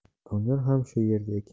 doniyor ham shu yerda ekan